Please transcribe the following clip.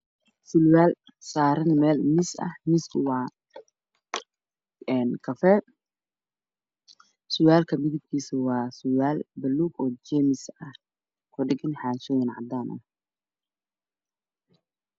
Waa surwaal saaran meel miis ah oo kafay ah, surwaalka midabkiisu waa buluug jeemis ah, oo kudhagan xaanshi cadaan ah.